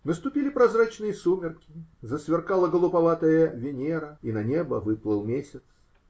*** Наступили прозрачные сумерки, засверкала голубоватая Венера, и на небо выплыл месяц.